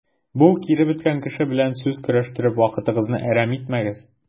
Бу киребеткән кеше белән сүз көрәштереп вакытыгызны әрәм итмәгез.